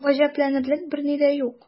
Гаҗәпләнерлек берни дә юк.